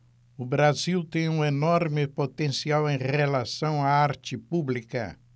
o brasil tem um enorme potencial em relação à arte pública